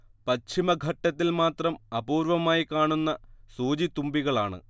പശ്ചിമഘട്ടത്തിൽ മാത്രം അപൂർവ്വമായി കാണുന്ന സൂചിത്തുമ്പികളാണ്